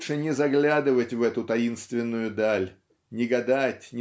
лучше не заглядывать в эту таинственную даль не гадать